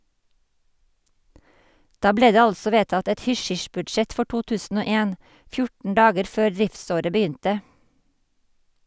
Da ble det altså vedtatt et hysj-hysj-budsjett for 2001, 14 dager før driftsåret begynte.